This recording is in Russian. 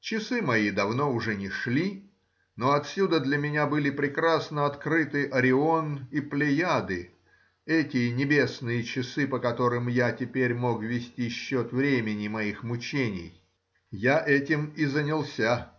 Часы мои давно уже не шли, но отсюда для меня были прекрасно открыты Орион и Плеяды — эти небесные часы, по которым я теперь мог вести счет времени моих мучений. Я этим и занялся